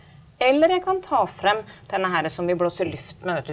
eller jeg kan ta frem denne herre som vi blåser luft med vet du.